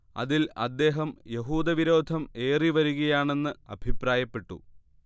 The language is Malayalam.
അതിൽ അദ്ദേഹം യഹൂദവിരോധം ഏറിവരുകയാണെന്ന് അഭിപ്രായപ്പെട്ടു